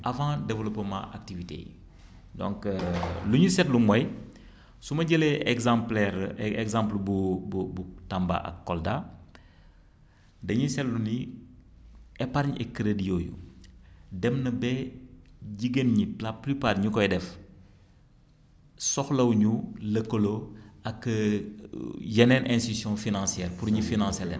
avant développement activités yi donc lu ñu seetlu mooy su ma jëlee exemplaire exemple bu bu Tamba ak Kolda dañuy seetlu ni épargne et crédit yooyu dem na be jigéen ñi la plupart ñu koy def soxlawuñu lëkkaloo ak yeneen institutions financières pour ñu financer leen